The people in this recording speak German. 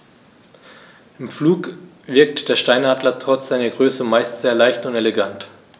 Im Flug wirkt der Steinadler trotz seiner Größe meist sehr leicht und elegant.